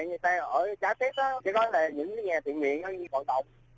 người ta ở trái phép á cái đó là những cái nhà thiện nguyện đi vận động